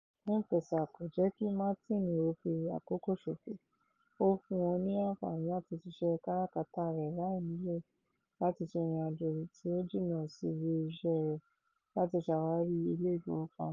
M-Pesa kò jẹ́ kí Martins ó fi àkókò ṣòfò, ó fún un ní àǹfààní láti ṣiṣẹ́ káràkátà rẹ̀ láì nílò láti ṣe ìrìnàjò tí ó jìnà síbi iṣẹ́ rẹ̀ láti ṣàwárí ilé ìfowópamọ́.